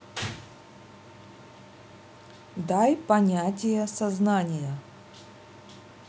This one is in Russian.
дай понятие сознания